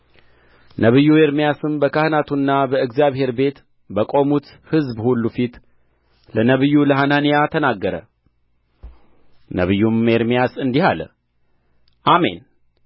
ነቢዩ ኤርምያስም በካህናቱና በእግዚአብሔር ቤት በቆሙት ሕዝብ ሁሉ ፊት ለነቢዩ ለሐናንያ ተናገረ ነቢዩም ኤርምያስ እንዲህ አለ አሜን